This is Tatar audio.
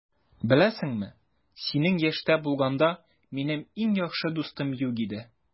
Беләсеңме, синең яшьтә булганда, минем иң яхшы дустым юк иде.